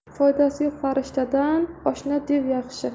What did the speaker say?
foydasi yo'q farishtadan oshno dev yaxshi